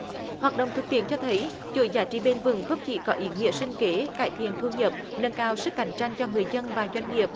hoạt động thực tiễn cho thấy chuỗi giá trị bền vững không chỉ có ý nghĩa sinh kế cải thiện thu nhập nâng cao sức cạnh tranh cho người dân và doanh nghiệp